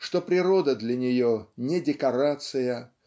что природа для нее не декорация